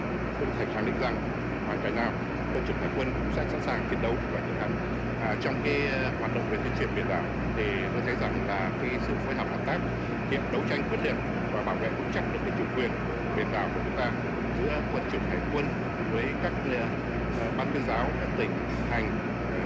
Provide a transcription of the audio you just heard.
tôi có thể khẳng định rằng hoàn cảnh nào binh chủng hải quân cũng sẽ sẵn sàng chiến đấu và chiến thắng trong cái hoạt động về tuyên truyền biển đảo thì tôi thấy rằng là cái sự phối hợp hợp tác giữa đấu tranh quyết liệt và bảo vệ vững chắc được chủ quyền biển đảo của chúng ta giữa quân chủng hải quân với các ban tuyên giáo các tỉnh thành